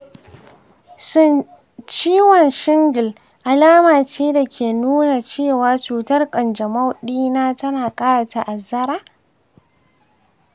shin ciwon shingle alama ce da ke nuna cewa cutar kanjamau ɗina tana ƙara ta'azzara?